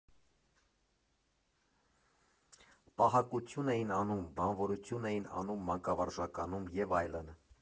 Պահակություն էին անում, բանվորություն էին անում մանկավարժականում և այլն։